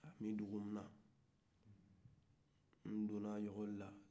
a tun be dugu min na ndona a ekɔli la